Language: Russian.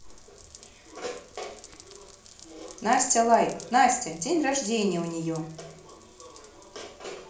nastya like nastya день рождения у нее